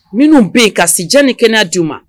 Minnu bɛ yen ka sijanni kɛnɛ d dii ma